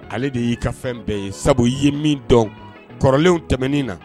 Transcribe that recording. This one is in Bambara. Ale de y'i ka fɛn bɛɛ ye sabu ye min dɔn kɔrɔlen tɛmɛnen na